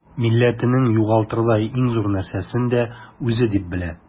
Милләтнең югалтырдай иң зур нәрсәсен дә үзе дип белә.